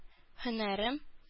Һөнәрем